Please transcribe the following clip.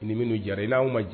Ni minnu jɛra i n'aw ma jɛ